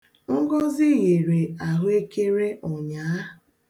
Ngọzị ghere ahụekere ụnyaa.